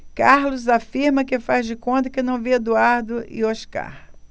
carlos afirma que faz de conta que não vê eduardo e oscar